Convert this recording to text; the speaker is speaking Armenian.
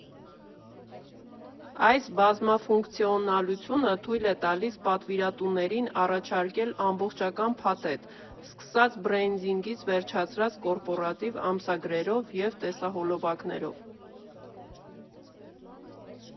Այս բազմաֆունկցիոնալությունը թույլ է տալիս պատվիրատուներին առաջարկել ամբողջական փաթեթ՝ սկսած բրենդինգից վերջացրած կորպորատիվ ամսագրերով և տեսահոլովակներով։